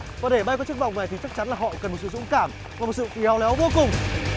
có thể bay qua chiếc vòng này chắc chắn là họ cần một sự dũng cảm cùng một sự khéo léo vô cùng